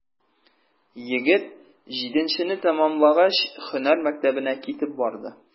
Егет, җиденчене тәмамлагач, һөнәр мәктәбенә китеп барды.